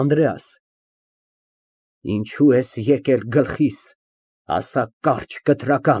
ԱՆԴՐԵԱՍ ֊ Ինչո՞ւ ես եկել գլխիս, ասա կարճ, կտրական։